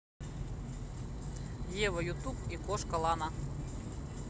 ева ютуб и кошка лана